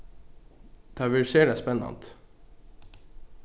tað verður sera spennandi